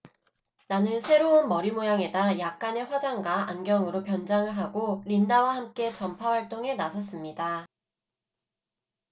나는 새로운 머리 모양에다 약간의 화장과 안경으로 변장을 하고 린다와 함께 전파 활동에 나섰습니다